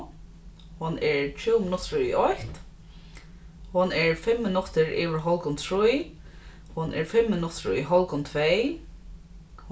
hon er tjúgu minuttir í eitt hon er fimm minuttir yvir hálvgum trý hon er fimm minuttir í hálvgum tvey